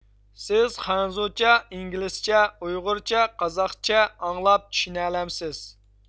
سىز خەنزۇچە ئىنگلىزچە ئۇيغۇرچە قازاقچە ئاڭلاپ چۈشىنەلەمسىز